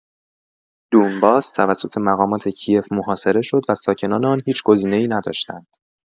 دونباس توسط مقامات کی‌یف محاصره شد و ساکنان آن هیچ گزینه‌ای نداشتند.